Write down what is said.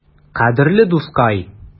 Кадерле дускай!